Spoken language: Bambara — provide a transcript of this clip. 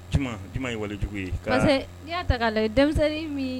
Ye wale ye i'a ta'a la denmisɛnnin min